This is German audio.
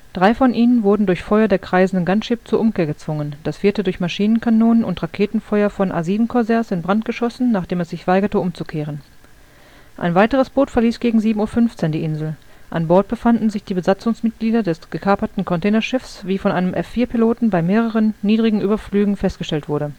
Drei von ihnen wurden durch Feuer der kreisenden Gunship zur Umkehr gezwungen, das vierte durch Maschinenkanonen - und Raketenfeuer von A-7 Corsairs in Brand geschossen, nachdem es sich weigerte umzukehren. Ein weiteres Boot verließ gegen 7:15 Uhr die Insel. An Bord befanden sich die Besatzungsmitglieder des gekaperten Containerschiffs, wie von einem F-4-Piloten bei mehreren niedrigen Überflügen festgestellt wurde